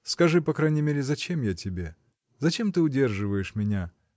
— Скажи, по крайней мере, зачем я тебе? Зачем ты удерживаешь меня?